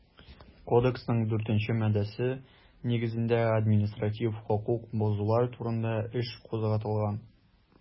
Кодексның 4 нче маддәсе нигезендә административ хокук бозулар турында эш кузгатылган.